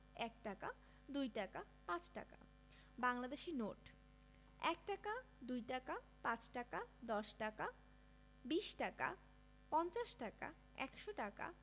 ১ টাকা ২ টাকা ৫ টাকা বাংলাদেশি নোটঃ ১ টাকা ২ টাকা ৫ টাকা ১০ টাকা ২০ টাকা ৫০ টাকা ১০০ টাকা